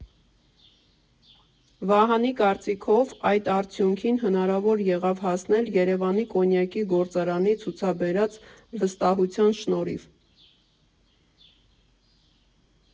Վահանի կարծիքով այդ արդյունքին հնարավոր եղավ հասնել Երևանի կոնյակի գործարանի ցուցաբերած վստահության շնորհիվ.